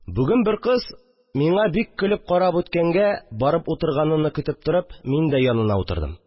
Бүген бер кыз миңа бик көлеп карап үткәнгә, барып утырганыны көтеп торып, мин дә янына утырдым